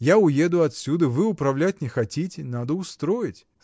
Я уеду отсюда, вы управлять не хотите: надо устроить.